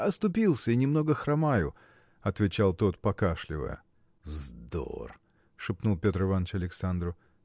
оступился и немного хромаю, – отвечал тот, покашливая. – Вздор! – шепнул Петр Иваныч Александру.